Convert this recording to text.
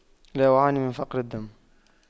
لا أعاني من فقر الدم